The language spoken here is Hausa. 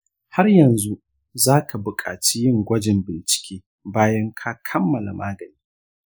har yanzu za ka buƙaci yin gwajin bincike bayan ka kammala magani.